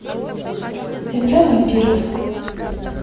земля вампиров